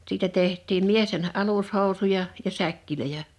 siitä tehtiin miesten alushousuja ja säkkejä